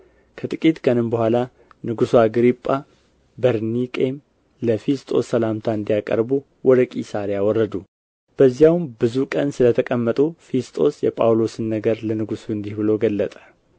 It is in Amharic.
ከጥቂት ቀንም በኋላ ንጉሡ አግሪጳ በርኒቄም ለፊስጦስ ሰላምታ እንዲያቀርቡ ወደ ቂሳርያ ወረዱ በዚያውም ብዙ ቀን ስለተቀመጡ ፊስጦስ የጳውሎስን ነገር ለንጉሡ እንዲህ ብሎ ገለጠ